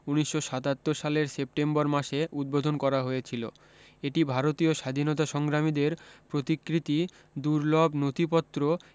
উনিশশ সাতাত্তর সালের সেপ্টেম্বর মাসে উদ্বোধন করা হয়েছিলো এটি ভারতীয় স্বাধীনতা সংগ্রামীদের প্রতিকৃতি দুর্লভ নথিপত্র